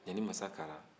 ɲanimansakara